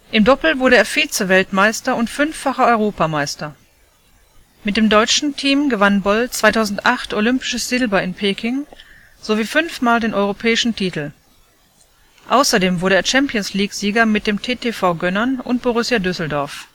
Im Doppel wurde er Vize-Weltmeister und fünffacher Europameister. Mit dem deutschen Team gewann Boll 2008 Olympisches Silber in Peking, sowie fünf Mal den Europäischen Titel. Außerdem wurde er Champions League-Sieger mit dem TTV Gönnern und Borussia Düsseldorf